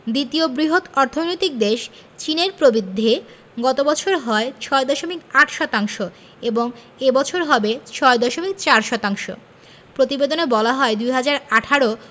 দ্বিতীয় বৃহৎ অর্থনৈতিক দেশ চীনের প্রবৃদ্ধি গত বছর হয় ৬.৮ শতাংশ এবং এ বছর হবে ৬.৪ শতাংশ প্রতিবেদনে বলা হয় ২০১৮